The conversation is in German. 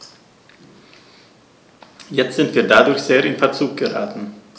Jetzt sind wir dadurch sehr in Verzug geraten.